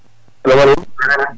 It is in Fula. salamu aleykum a *